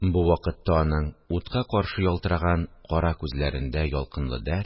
Бу вакытта аның утка каршы ялтыраган кара күзләрендә ялкынлы дәрт